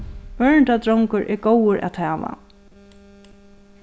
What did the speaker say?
ørindadrongur er góður at hava s